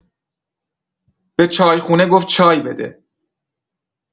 به چای‌خونه گفت چای بده.